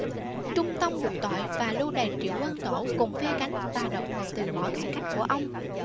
trung tông buộc tội và lưu đày triệu quang tổ cùng phe cánh và đột ngột từ bỏ cải cách của ông